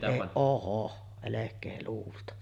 - ohoh älkää luulla